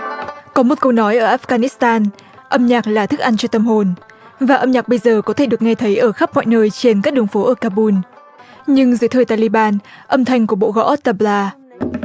có một câu nói ở áp ga nít tan âm nhạc là thức ăn cho tâm hồn và âm nhạc bây giờ có thể được nghe thấy ở khắp mọi nơi trên các đường phố ở ca bun nhưng dưới thời ta li ban âm thanh của bộ gõ tập la